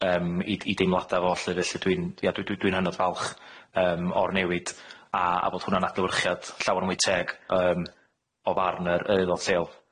yym i i deimlada fo lly felly dwi'n ia dwi dwi dwi'n hynod falch yym o'r newid a a fod hwnna'n adlewyrchiad llawer mwy teg yym o farn yr Aelod Lleol.